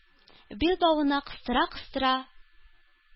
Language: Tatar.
Билбавына кыстыра-кыстыра,